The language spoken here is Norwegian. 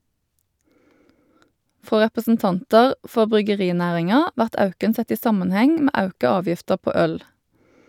Frå representantar for bryggerinæringa vert auken sett i samanheng med auka avgifter på øl.